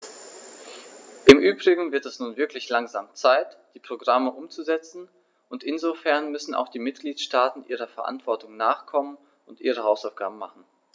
Im übrigen wird es nun wirklich langsam Zeit, die Programme umzusetzen, und insofern müssen auch die Mitgliedstaaten ihrer Verantwortung nachkommen und ihre Hausaufgaben machen.